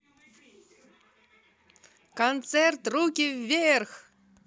концерт руки вверх